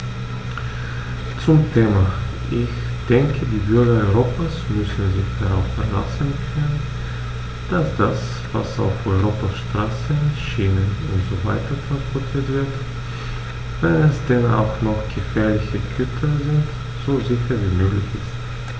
Zum Thema: Ich denke, die Bürger Europas müssen sich darauf verlassen können, dass das, was auf Europas Straßen, Schienen usw. transportiert wird, wenn es denn auch noch gefährliche Güter sind, so sicher wie möglich ist.